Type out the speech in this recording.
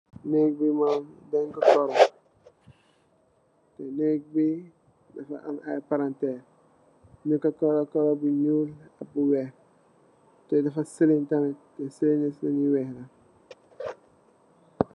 Nèk bi mum deñ ko karó, nèk bi dafa am ay palanterr, ñing ko karó, karó bu ñuul ak bu wèèx. Tè dafa silin tamit, silin yi silin yu wèèx la.